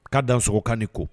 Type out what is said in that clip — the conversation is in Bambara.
K'a dansɔgɔ! K'a ni ko!